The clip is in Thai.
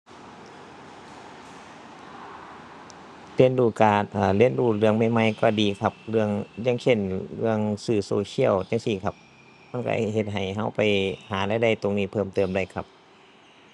เรียนรู้การ เอ่อ เรียนรู้เรื่องใหม่ใหม่ก็ดีครับเรื่อง อย่างเช่นเรื่องสื่อโซเชียลจั่งซี้ครับ มันก็เฮ็ดให้ก็ไปหารายได้ตรงนี้เพิ่มเติมได้ครับ